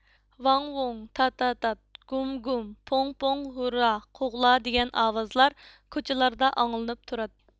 ۋاڭ ۋۇڭ تا تا تات گوم گۇم پوڭ پوڭ ھۇررا قوغلا دىگەن ئاۋازلار كوچىلاردا ئاڭلىنىپ تۇراتتى